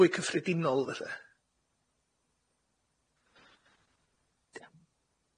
Fwy cyffredinol felly?